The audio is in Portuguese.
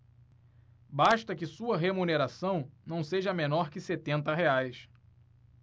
basta que sua remuneração não seja menor que setenta reais